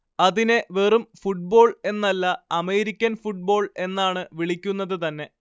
അതിനെ വെറും ഫുട്ബോൾ എന്നല്ല അമേരിക്കൻ ഫുട്ബോൾ എന്നാണ് വിളിക്കുന്നത് തന്നെ